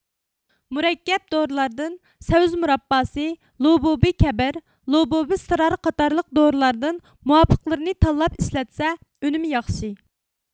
مۇرەككەپ دورىلاردىن سەۋزە مۇرابباسى لۇبۇبى كەبىر لۇبۇبى سرار قاتارلىق دورىلاردىن مۇۋاپىقلىرىنى تاللاپ ئىشلەتسە ئۈنۈمى ياخشى